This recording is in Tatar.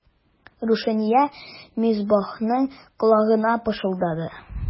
Рушания Мисбахның колагына пышылдады.